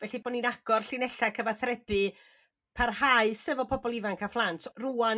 Felly bo' ni'n agor llinella' cyfathrebu parhaus efo pobol ifanc a phlant rŵan